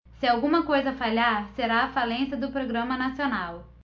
se alguma coisa falhar será a falência do programa nacional